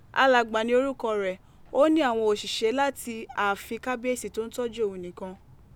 Alagba ni orukọ rẹ, o ni awọn oṣiṣẹ lati aafin Kabiyesi to n tọju oun nikan.